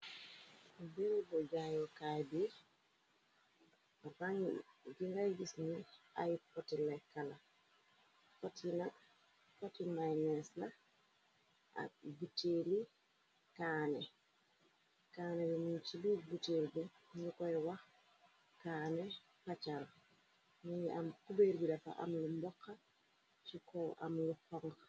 Bër bu jaayukaay bi rang gira gis ni ay potile kana a potimay nees la ak buteeli kaane kanne yu muñ ci bu buteel bi ñu koy wax kaani paccal ninyi am xubeer bi dafa am lu mboxa ci ko am lu pong.